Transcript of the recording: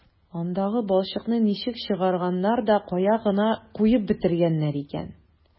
Андагы балчыкны ничек чыгарганнар да кая гына куеп бетергәннәр икән...